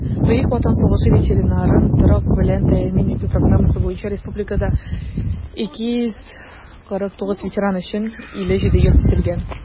Бөек Ватан сугышы ветераннарын торак белән тәэмин итү программасы буенча республикада 249 ветеран өчен 57 йорт төзелгән.